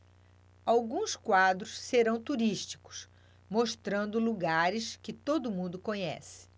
alguns quadros serão turísticos mostrando lugares que todo mundo conhece